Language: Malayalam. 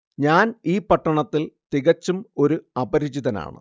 ഞാൻ ഈ പട്ടണത്തിൽ തികച്ചും ഒരു അപരിചിതനാണ്